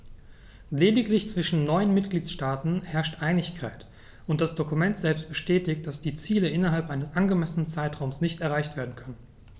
Lediglich zwischen neun Mitgliedsstaaten herrscht Einigkeit, und das Dokument selbst bestätigt, dass die Ziele innerhalb eines angemessenen Zeitraums nicht erreicht werden können.